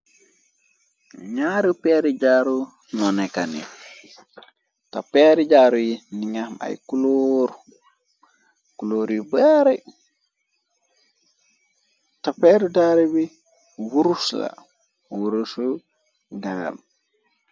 Naaru peeri jaaru ñomoo neka ni te peeri jaaru yi mongi am ay kulóor kuloor yu baare te peeru jaaru bi wurusla wurushu ngalam.